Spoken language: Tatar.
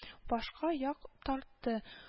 Башка як тартты